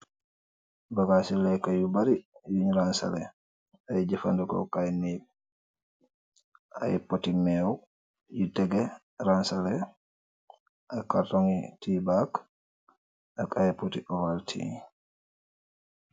Bagass see leka yu bary yun ransele, aye jefaneku kay neek, aye pote meew yu tege ransele ak cartogi tea bag ak aye pote Ovaltine.